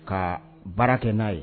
Ka baara kɛ n'a ye